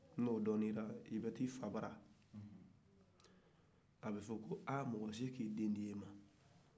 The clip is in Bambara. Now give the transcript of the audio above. n'o dɔnna i la i bɛ t'i fa bara abɛ fɔ ko ahh mɔgɔ bɛsen ka a den di e ma